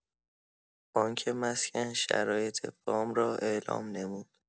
بانک مسکن شرایط وام را اعلام نمود.